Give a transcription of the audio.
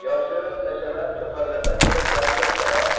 yoshim nashavand choparlardan ko'ra sal kattaroq